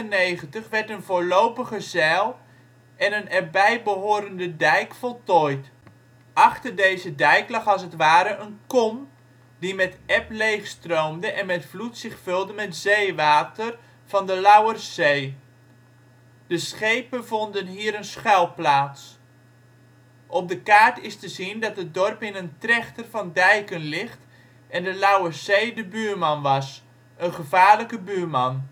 1598 werd een voorlopige zijl en een erbij behorende dijk voltooid. Achter deze dijk lag als het ware een kom, die met eb leeg stroomde en met vloed zich vulde met zeewater van de Lauwerszee. De schepen vonden hier een schuilplaats. Op de kaart is te zien, dat het dorp in een trechter van dijken ligt en de Lauwerszee de buurman was, een gevaarlijke buurman